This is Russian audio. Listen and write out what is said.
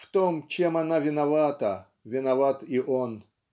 В том, чем она виновата, виноват и он